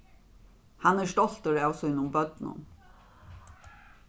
hann er stoltur av sínum børnum